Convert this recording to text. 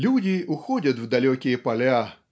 Люди уходят в далекие поля